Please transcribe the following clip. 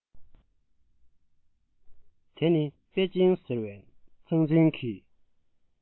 ད ནི པེ ཅིན ཟེར བའི ཚང ཚིང གི